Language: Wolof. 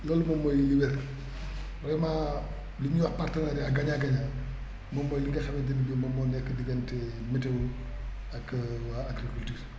loolu moom mooy li wér vraiment li ñuy wax partenariat gagant gagnant moom mooy li nga xamante ne bii moom moo nekk diggante météo ak waa agriculture